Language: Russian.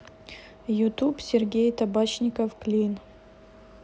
ютуб сергей табачников клин